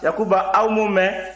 yakuba aw m'o mɛn